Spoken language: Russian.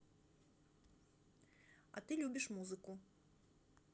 а ты любишь музыку